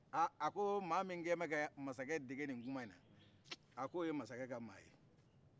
a ko mɔgɔ min kɛ mɛ ka masakɛ dege nin kuma in na a k'oye masakɛ ka mɔgɔye